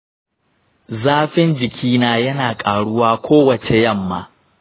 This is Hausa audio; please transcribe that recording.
zafin jikina yana ƙaruwa kowace yamma.